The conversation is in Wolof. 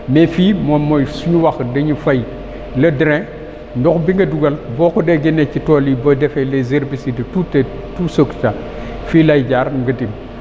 mais fii moom mooy su ñu wax dañu fay le drain ndox bi nga dugal boo ko dee génne ci tool yi boo defee les herbicides tout est tout *** fii lay jaar nga dindi